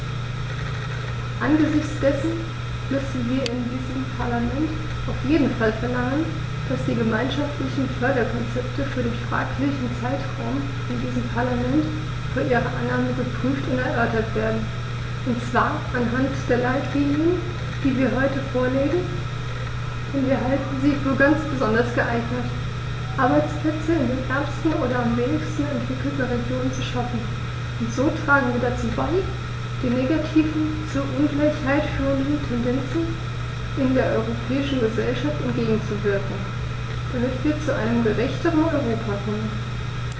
Angesichts dessen müssen wir in diesem Parlament auf jeden Fall verlangen, dass die gemeinschaftlichen Förderkonzepte für den fraglichen Zeitraum in diesem Parlament vor ihrer Annahme geprüft und erörtert werden, und zwar anhand der Leitlinien, die wir heute vorlegen, denn wir halten sie für ganz besonders geeignet, Arbeitsplätze in den ärmsten oder am wenigsten entwickelten Regionen zu schaffen, und so tragen wir dazu bei, den negativen, zur Ungleichheit führenden Tendenzen in der europäischen Gesellschaft entgegenzuwirken, damit wir zu einem gerechteren Europa kommen.